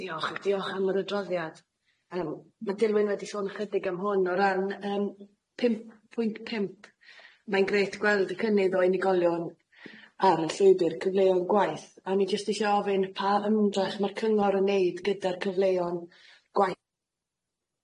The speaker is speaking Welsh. Diolch ac diolch am yr adroddiad yym ma' Dilwyn wedi sôn ychydig am hwn o ran yym pump pwynt pump, mae'n grêt gweld y cynnydd o unigolion ar y llwybyr cyfleon gwaith a o'n i jyst isio ofyn pa ymdrech ma' cyngor yn neud gyda'r cyfleon gwaith?